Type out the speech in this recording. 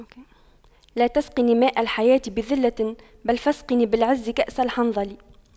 لا تسقني ماء الحياة بذلة بل فاسقني بالعز كأس الحنظل